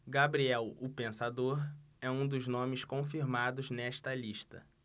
gabriel o pensador é um dos nomes confirmados nesta lista